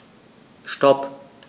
Stop.